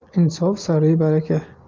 insof sari baraka